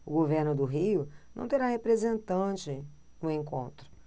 o governo do rio não terá representante no encontro